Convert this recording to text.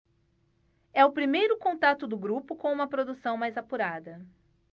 é o primeiro contato do grupo com uma produção mais apurada